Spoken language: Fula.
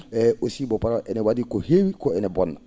e aussi bo parab* ene wa?i ko heewi ko ene bonna